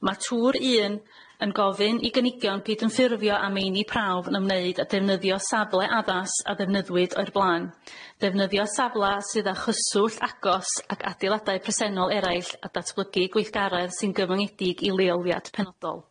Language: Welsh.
Ma' tŵr un yn gofyn i gynigion gydymffurfio a meini prawf yn ymwneud â defnyddio safle addas a ddefnyddiwyd o'r bla'n, defnyddio safla sydd â chyswllt agos ac adeilada presennol eraill a datblygu gweithgaredd sy'n gyfyngedig i leoliad penodol.